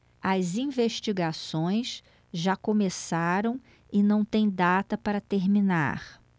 as investigações já começaram e não têm data para terminar